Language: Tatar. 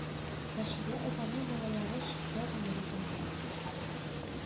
Рәшидә апаның балалары читтә гомер итә